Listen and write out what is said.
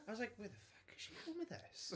I was like, "where the fuck is she going with this?"